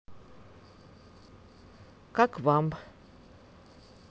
как вам